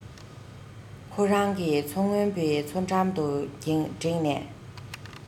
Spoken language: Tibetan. ཁོ རང གི མཚོ སྔོན པོའི མཚོ འགྲམ དུ འགྲེངས ནས